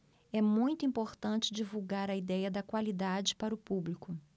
é muito importante divulgar a idéia da qualidade para o público